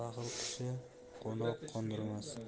baxil kishi qo'noq qo'ndirmas